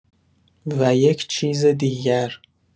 و یک چیز دیگر